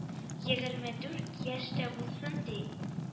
Егерме дүрт яшь тә булсын ди